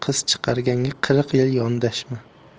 qiz chiqarganga qirq yil yondashma